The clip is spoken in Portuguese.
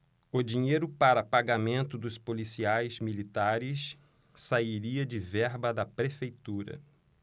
o dinheiro para pagamento dos policiais militares sairia de verba da prefeitura